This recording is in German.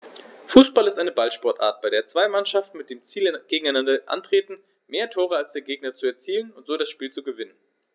Fußball ist eine Ballsportart, bei der zwei Mannschaften mit dem Ziel gegeneinander antreten, mehr Tore als der Gegner zu erzielen und so das Spiel zu gewinnen.